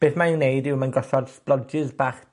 Beth mae e'n neud yw ma'n gosod sblojys bach